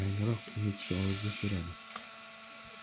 yangroq ingichka ovozda so'radi